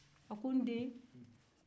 a ko n den